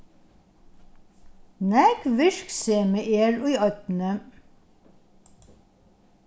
nógv virksemi er í oynni